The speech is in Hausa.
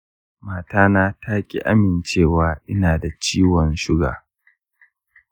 mata ta taƙi amincewa ina da ciwon suga.